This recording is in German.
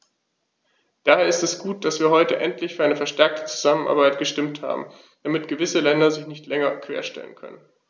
Daher ist es gut, dass wir heute endlich für eine verstärkte Zusammenarbeit gestimmt haben, damit gewisse Länder sich nicht länger querstellen können.